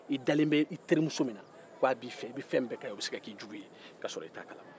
i dalen bɛ terimuso min na k'a b'i fɛ o bɛ se ka kɛ i jugu ye